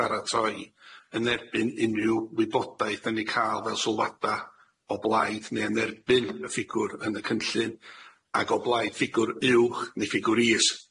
baratoi yn erbyn unrhyw wybodaeth dan ni ca'l fel sylwada o blaid ne' yn erbyn y ffigwr yn y cynllun, ag o blaid ffigwr uwch ne' ffigwr is.